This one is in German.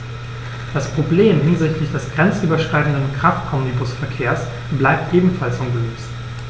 Das Problem hinsichtlich des grenzüberschreitenden Kraftomnibusverkehrs bleibt ebenfalls ungelöst.